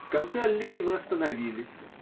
В конце аллеи мы остановились.